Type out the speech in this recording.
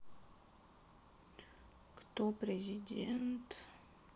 кто президент